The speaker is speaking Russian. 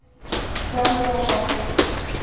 транс вокал